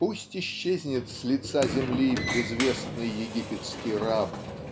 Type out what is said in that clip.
пусть исчезнет с лица земли безвестный египетский раб